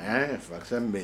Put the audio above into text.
Fari bɛ yen